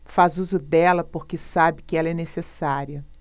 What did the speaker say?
faz uso dela porque sabe que ela é necessária